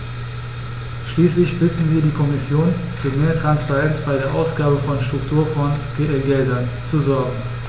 Schließlich bitten wir die Kommission, für mehr Transparenz bei der Ausgabe von Strukturfondsgeldern zu sorgen.